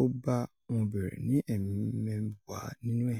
Ó bá wọn bẹ̀rẹ̀ ní ẹ̀mẹwàá nínú ẹ̀.